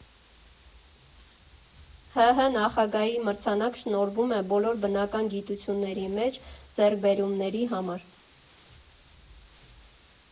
ՀՀ Նախագահի մրցանակ շնորհվում է բոլոր բնական գիտությունների մեջ ձեռքբերումների համար։